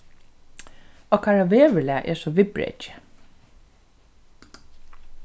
okkara veðurlag er so viðbrekið